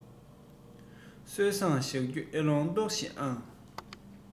སྲོལ བཟང གཞག རྒྱུ ཨེ ཡོང ལྟོས ཤིག ཨང